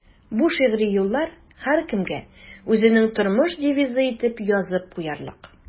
Бу шигъри юллар һәркемгә үзенең тормыш девизы итеп язып куярлык.